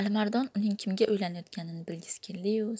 alimardon uning kimga uylanayotganini bilgisi keldiyu